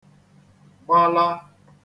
gbala